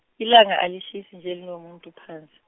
ilanga alishisi nje linomuntu phansi.